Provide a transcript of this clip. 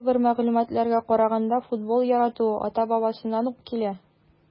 Кайбер мәгълүматларга караганда, футбол яратуы ата-бабасыннан ук килә.